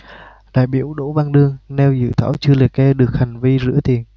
đại biểu đỗ văn đương nêu dự thảo chưa liệt kê được hành vi rửa tiền